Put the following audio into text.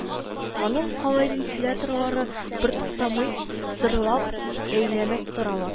Аның калай вентиляторлары бертуктамый зыр-лап әйләнеп торалар